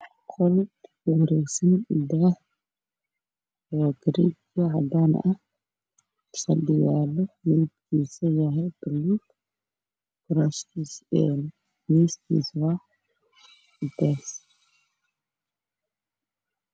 Waa qol waxaa yaalo fadhi buluug ah